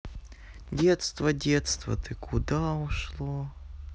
детство детство куда ушло